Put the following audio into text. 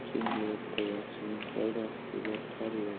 yaxshining foydasi tegar tor yo'lda